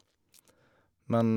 Men...